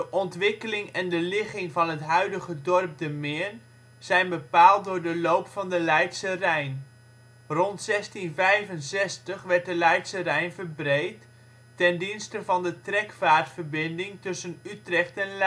ontwikkeling en de ligging van het huidige dorp De Meern zijn bepaald door de loop van de Leidse Rijn. Rond 1665 werd de Leidse Rijn verbreed, ten dienste van de trekvaartverbinding tussen Utrecht en Leiden